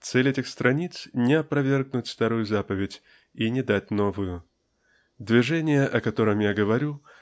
Цель этих страниц -- не опровергнуть старую заповедь и не дать новую. Движение о котором я говорю